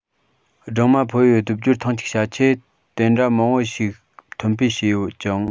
སྦྲང མ ཕོ ཡིས སྡེབ སྦྱོར ཐེངས གཅིག བྱ ཆེད དེ འདྲ མང པོ ཞིག ཐོན སྤེལ བྱས ཡོད ཅིང